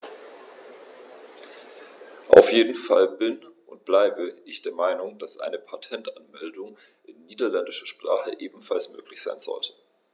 Auf jeden Fall bin - und bleibe - ich der Meinung, dass eine Patentanmeldung in niederländischer Sprache ebenfalls möglich sein sollte.